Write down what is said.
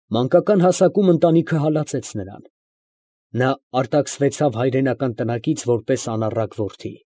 Մանկական հասակում ընտանիքը հալածեց նրան, նա արտաքսվեցավ հայրենական տնակից, որպես անառակ որդի։